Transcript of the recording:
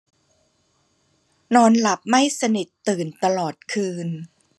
นอนหลับไม่สนิทตื่นตลอดคืน